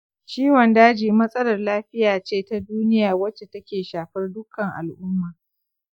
ciwon daji matsalar lafiya ce ta duniya wacce take shafar dukkan al’umma.